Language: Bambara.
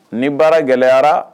Ni baara gɛlɛyara